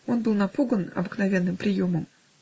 Он был напуган обыкновенным приемом.